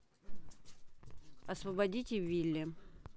освободите вилли